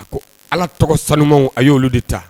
A ko ala tɔgɔ sanuuma a y'olu de ta